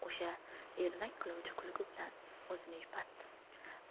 o'sha ermak qiluvchi kulgi bilan o'zini yupatdi